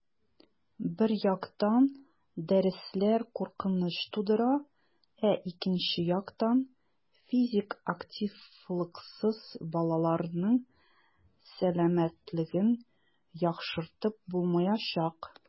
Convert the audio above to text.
Бер яктан, дәресләр куркыныч тудыра, ә икенче яктан - физик активлыксыз балаларның сәламәтлеген яхшыртып булмаячак.